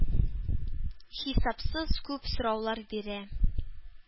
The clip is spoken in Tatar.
Хисапсыз күп сораулар бирә,